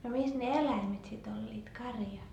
no missä ne eläimet sitten olivat karja